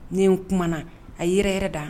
N n kumana na a yɛrɛ yɛrɛ da